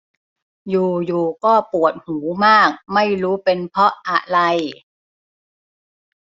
อยู่อยู่ก็ปวดหูมากไม่รู้เป็นเพราะอะไร